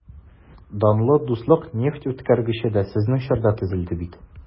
Данлы «Дуслык» нефтьүткәргече дә сезнең чорда төзелде бит...